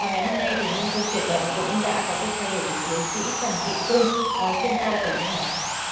và ngày hôm nay thì nông thôn chuyển động cũng đã có cuộc trao đổi với tiến sĩ trần thị dung à chuyên gia về nước mắm